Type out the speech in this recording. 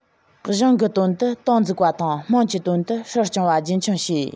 གཞུང གི དོན དུ ཏང འཛུགས པ དང དམངས ཀྱི དོན དུ སྲིད སྐྱོང བ རྒྱུན འཁྱོངས བྱས